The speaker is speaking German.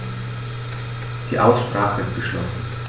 Die Aussprache ist geschlossen.